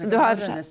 du har .